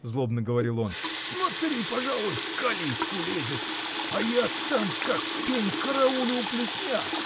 — злобно говорил он, — смотри, пожалуй, в калитку лезет: а я там, как пень, караулю у плетня!.